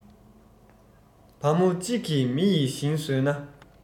བ མོ གཅིག གིས མི ཡི ཞིང ཟོས ན